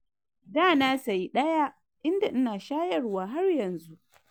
dana sayi daya inda ina shayarwa har yanzu.